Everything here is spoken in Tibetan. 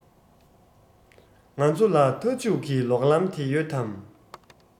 ང ཚོ ལ མཐའ མཇུག གི ལོག ལམ དེ ཡོད དམ